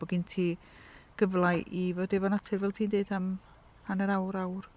Bod gen ti gyfle i fod efo natur fel ti'n deud am hanner awr, awr.